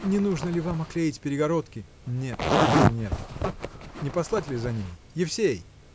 – Не нужно ли вам оклеить перегородки? – Нет, теперь нет. Не послать ли за ней? Евсей!